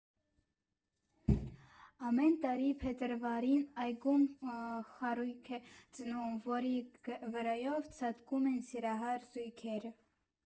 Ամեն տարի փետրվարին այգում խարույկ է ծնվում, որի վրայով ցատկում են սիրահար զույգերը։